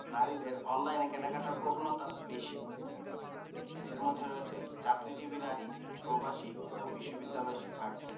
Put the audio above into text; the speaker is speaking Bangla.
নারীদের অনলাইনে কেনাকাটার প্রবণতা বেশি এঁদের মধ্যে রয়েছেন চাকরিজীবী নারী প্রবাসী ও বিশ্ববিদ্যালয় শিক্ষার্থী